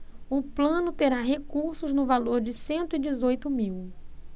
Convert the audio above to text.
o plano terá recursos no valor de cento e dezoito mil